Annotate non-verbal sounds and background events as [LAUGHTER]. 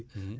[HESITATION] [HESITATION]